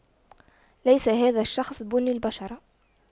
ليس هذا الشخص بني البشرة